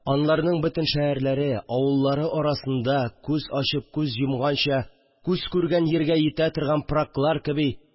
Аларның бөтен шәһәрләре, авыллары арасында күз ачып күз йомганчы күз күргән җиргә җитә торган пыраклар кеби